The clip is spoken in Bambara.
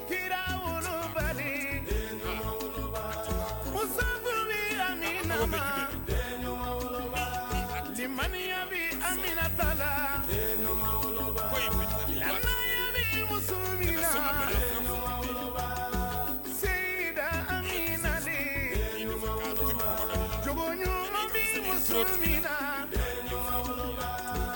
Kibaba bɛ na ba ya a ta muso naba sigi j ɲuman min min na